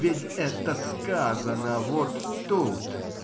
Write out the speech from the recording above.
Ведь это сказано вот тут.